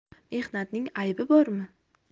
mehnatning aybi bormi